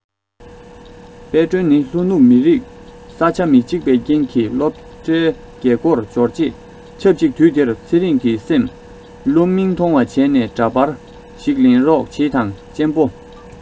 དཔལ སྒྲོན ནི ལྷོ ནུབ མི རིགས ས ཆ མི གཅིག པའི རྐྱེན གྱི སློབ གྲྭའི རྒྱལ སྒོར འབྱོར རྗེས ཆབ གཅིག དུས དེར ཚེ རིང གི སེམས སློབ མིང མཐོང བ བྱས ནས འདྲ པར ཞིག ལེན རོགས བྱེད དང གཅེན པོ